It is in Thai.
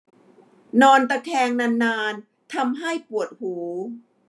นอนตะแคงนานนานทำให้ปวดหู